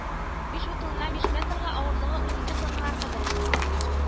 Биш бөтен уннан биш метрга, авырлыгы унике тоннага кадәр